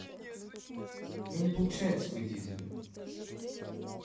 у меня не получается выйти из игры